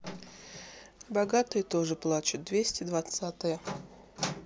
богатые тоже плачут двести двадцатая